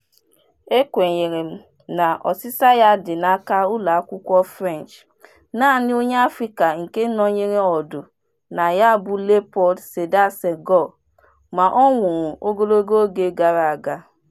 E kwenyere m na ọsịsa ya dị n'aka Ụlọakwụkwọ French: naanị onye Afrịka nke nọnyere ọdụ na ya bụ Léopold Sédar Senghor, ma ọ nwụrụ ogologo oge gara aga.